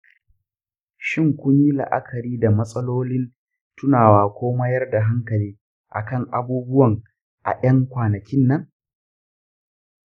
shin kun yi la'akari da matsalolin tunawa ko mayar da hankali akan abubuwan a ƴan kwanakin nan?